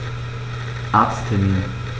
Arzttermin